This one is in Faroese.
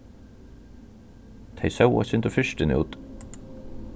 tey sóu eitt sindur firtin út